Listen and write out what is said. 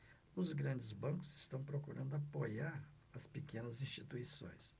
os grandes bancos estão procurando apoiar as pequenas instituições